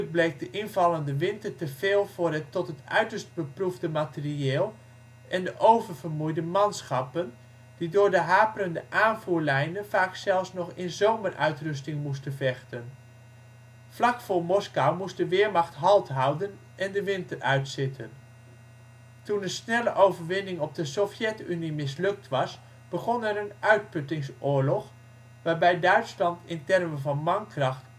bleek de invallende winter teveel voor het tot het uiterste beproefde materieel en de oververmoeide manschappen die door de haperende aanvoerlijnen vaak zelfs nog in zomeruitrusting moesten vechten. Vlak voor Moskou moest de Wehrmacht halt houden en de winter uitzitten. Toen een snelle overwinning op de Sovjet-Unie mislukt was, begon er een uitputtingsoorlog, waarbij Duitsland in termen van mankracht